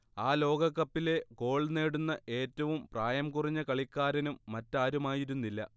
ആ ലോകകപ്പിലെ ഗോൾ നേടുന്ന ഏറ്റവും പ്രായം കുറഞ്ഞ കളിക്കാരനും മറ്റാരുമായിരുന്നില്ല